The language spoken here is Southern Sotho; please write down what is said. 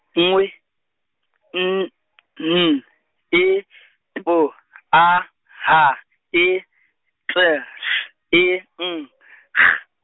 nngwe , N, N E P A H E T S E N G.